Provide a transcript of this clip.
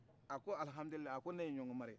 a ko alihamudulila ko ne ye ɲɔngɔn mari ye